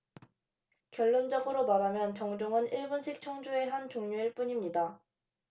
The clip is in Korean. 결론적으로 말하면 정종은 일본식 청주의 한 종류일 뿐입니다